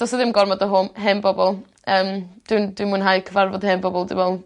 do's na'm ddim gormod o hom- hen bobol yym dwi'n dwi'n mwynhau cyfarfod hen bobol dwi me'wl